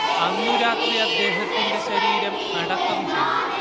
അന്നു രാത്രി അദ്ദേഹത്തിന്റെ ശരീരം അടക്കം ചെയ്തു